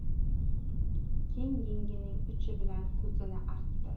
keng yengining uchi bilan ko'zini artdi